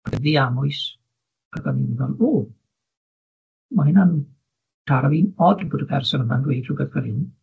yn ddiamwys, ac o'n i'n meddwl, o! Mae hynna'n taro fi'n od bod y person yma'n dweud rhwbeth fel hyn.